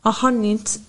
ohonynt